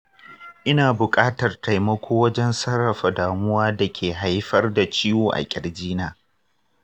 ina buƙatar taimako wajen sarrafa damuwa da ke haifar da ciwo a kirjina.